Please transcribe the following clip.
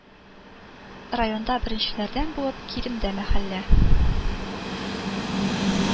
Районда беренчеләрдән булып Килемдә мәхәллә